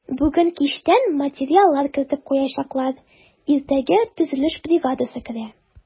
Бүген кичтән материаллар кертеп куячаклар, иртәгә төзелеш бригадасы керә.